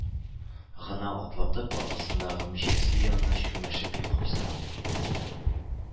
Гына атлатып, арбасындагы мичкәсе янына чүмәшеп йокымсырап